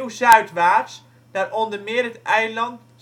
zuidwaarts, naar onder meer het eiland